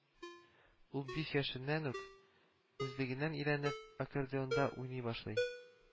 Ул биш яшеннән үк, үзлегеннән өйрәнеп, аккордеонда уйный башлый